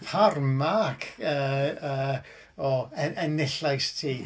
Pa'r mark yy yy o enillais ti?